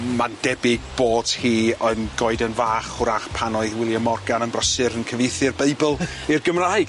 Ma'n debyg bod hi yn goeden fach 'w'rach pan oedd William Morgan yn brysur yn cyfieithu'r Beibl i'r Gymraeg.